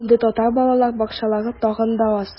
Ә инде татар балалар бакчалары тагын да аз.